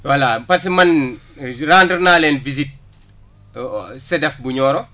voilà parce que man rendre naa leen visite au CEDAF bu Nioro